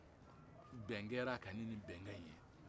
bɛn kɛra a kan ni in bɛnkan in de ye